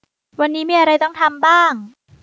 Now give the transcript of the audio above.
วันนี้มีอะไรต้องทำบ้าง